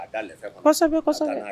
A da lɛfɛ, kosɛbɛ, kosɛbɛ